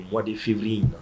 Mois de Fevrier in na.